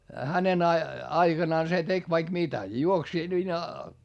hänen - aikanaan se teki vaikka mitä juoksi